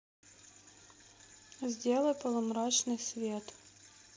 сделай полумрачный свет